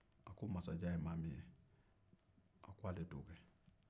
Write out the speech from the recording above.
a ko masaja ye maa min ye a ko ale de don